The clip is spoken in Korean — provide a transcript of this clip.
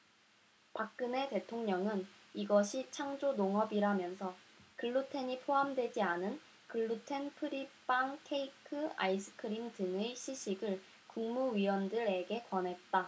박근헤 대통령은 이것이 창조농업이라면서 글루텐이 포함되지 않은 글루텐 프리 빵 케이크 아이스크림 등의 시식을 국무위원들에게 권했다